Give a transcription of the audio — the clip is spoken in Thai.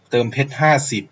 เติมเพชรห้าสิบ